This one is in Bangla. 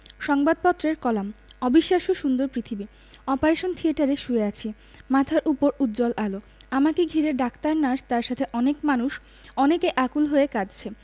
সংবাদপত্রের কলাম অবিশ্বাস্য সুন্দর পৃথিবী অপারেশন থিয়েটারে শুয়ে আছি মাথার ওপর উজ্জ্বল আলো আমাকে ঘিরে ডাক্তার নার্স তার সাথে অনেক মানুষ অনেকে আকুল হয়ে কাঁদছে